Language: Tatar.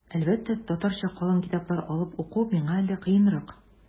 Әлбәттә, татарча калын китаплар алып уку миңа әле кыенрак.